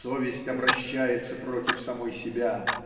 совесть обращается против самой себя.